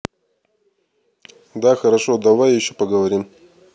да хорошо давай еще поговорим